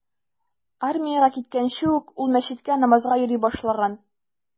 Армиягә киткәнче ук ул мәчеткә намазга йөри башлаган.